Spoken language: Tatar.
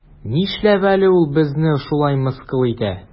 Нишләп әле ул безне шулай мыскыл итә?